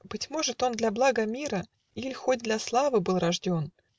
Быть может, он для блага мира Иль хоть для славы был рожден